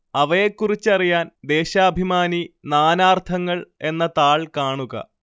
അവയെക്കുറിച്ചറിയാന്‍ ദേശാഭിമാനി നാനാര്‍ത്ഥങ്ങള്‍ എന്ന താള്‍ കാണുക